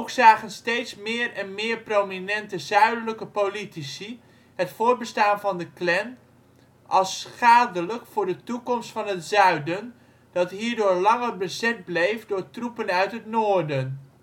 zagen steeds meer en meer prominente Zuidelijke politici het voortbestaan van de Klan als schadelijk voor de toekomst van het Zuiden dat hierdoor langer bezet bleef door troepen uit het Noorden